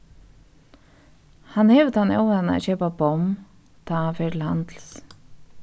hann hevur tann óvana at keypa bomm tá hann fer til handils